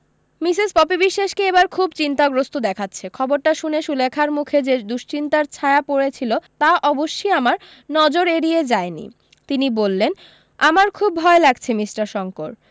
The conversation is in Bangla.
মিসেস পপি বিশ্বাসকে এবার খুব চিন্তাগ্রস্ত দেখাচ্ছে খবরটা শুনে সুলেখার মুখে যে দুশ্চিন্তার ছায়া পড়েছিল তা অবশ্যি আমার নজর এড়িয়ে যায়নি তিনি বললেন আমার খুব ভয় লাগছে মিষ্টার শংকর